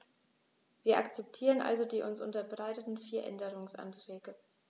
Wir akzeptieren also die uns unterbreiteten vier Änderungsanträge.